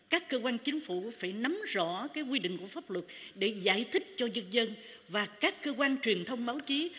các cơ quan chính phủ phải nắm rõ cái quy định của pháp luật để giải thích cho nhân dân và các cơ quan truyền thông báo chí